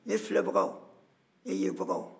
ne filɛ bagaw ne ye bagaw